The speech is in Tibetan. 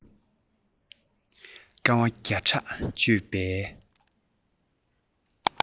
དཀའ བ བརྒྱ ཕྲག སྤྱོད པའི